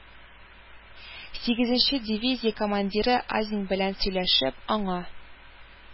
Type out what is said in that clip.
Сигезенче дивизия командиры азин белән сөйләшеп, аңа